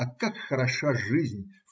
А как хороша жизнь!.